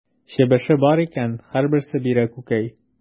Чебеше бар икән, һәрберсе бирә күкәй.